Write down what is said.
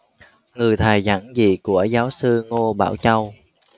người thầy giản dị của giáo sư ngô bảo châu